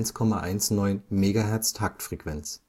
1,19 MHz Taktfrequenz